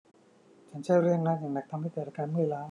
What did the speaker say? ฉันใช้แรงงานอย่างหนักทำให้เกิดอาการเมื่อยล้า